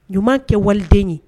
Ɲuman kɛ waliden ye